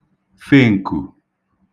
fē ǹkù